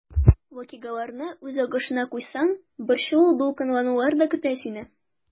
Вакыйгаларны үз агышына куйсаң, борчылу-дулкынланулар да көтә сине.